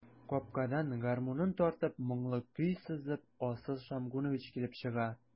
Капкадан, гармунын тартып, моңлы көй сызып, Асыл Шәмгунович килеп чыга.